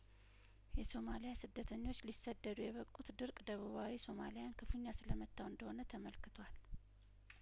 የሶማሊያ ስደተኞች ሊሰደዱ የበቁት ድርቅ ደቡባዊ ሶማሊያን ክፉኛ ስለመታው እንደሆነ ተመልክቷል